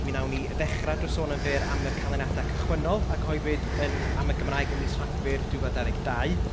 Mi wnawn ni ddechrau drwy sôn yn fyr am y canlyniadau cychwynnol a gyhoeddwyd am y Gymraeg ym mis Rhagfyr dwy fil a dau ddeg dau.